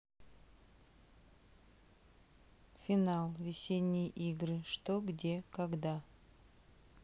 final весенние игры что где когда